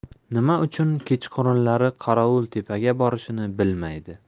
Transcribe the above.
nima uchun kechqurunlari qorovultepaga borishini bilmaydi